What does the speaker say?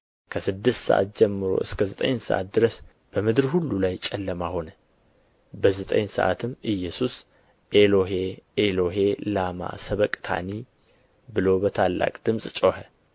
ከስድስት ሰዓትም ጀምሮ እስከ ዘጠኝ ሰዓት ድረስ በምድር ሁሉ ላይ ጨለማ ሆነ በዘጠኝ ሰዓትም ኢየሱስ ኤሎሄ ኤሎሄ ላማ ሰበቅታኒ ብሎ በታላቅ ድምፅ ጮኸ